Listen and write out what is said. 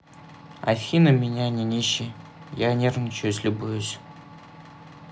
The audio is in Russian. афина меня не нищий я нервничаю любуюсь